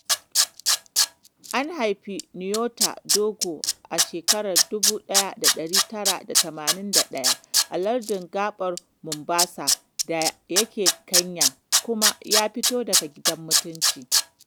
An haifi Nyota Ndogo a 1981 a lardin gaɓar Mobasa da yake Kenya kuma ya fito daga gidan mutunci.